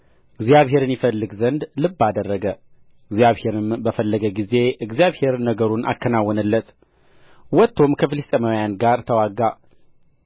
እግዚአብሔርን ይፈልግ ዘንድ ልብ አደረገ እግዚአብሔርንም በፈለገ ጊዜ እግዚአብሔር ነገሩን አከናወነለት ወጥቶም ከፍልስጥኤማውያን ጋር ተዋጋ